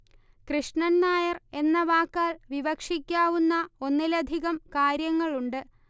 കൃഷ്ണൻ നായർ എന്ന വാക്കാൽ വിവക്ഷിക്കാവുന്ന ഒന്നിലധികം കാര്യങ്ങളുണ്ട്